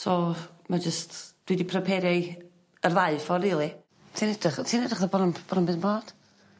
so ma' jyst dwi 'di pryperio 'i yr ddau ffor rili. Ti'n edrych o ti'n edrych fel bod o'n bron ddim bod.